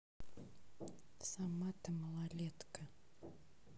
самата малолетка